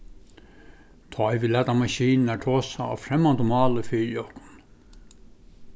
tá ið vit lata maskinurnar tosa á fremmandum máli fyri okkum